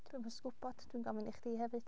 Dwi'm yn s- gwybod. Dwi'n gofyn i chdi hefyd